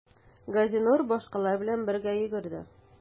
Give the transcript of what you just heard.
Газинур башкалар белән бергә йөгерде.